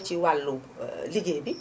ci wàllu liggéey bi